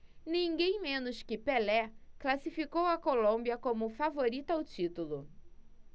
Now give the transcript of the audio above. ninguém menos que pelé classificou a colômbia como favorita ao título